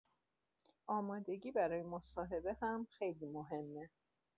آمادگی برای مصاحبه هم خیلی مهمه.